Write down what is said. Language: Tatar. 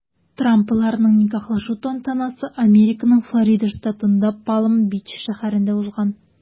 Трампларның никахлашу тантанасы Американың Флорида штатында Палм-Бич шәһәрендә узган.